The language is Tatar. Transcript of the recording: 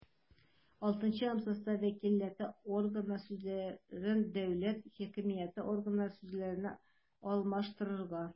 Алтынчы абзацта «вәкаләтле органнар» сүзләрен «дәүләт хакимияте органнары» сүзләренә алмаштырырга;